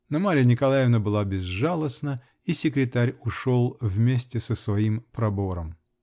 Но Марья Николаевна была безжалостна -- и секретарь ушел вместе со своим пробором.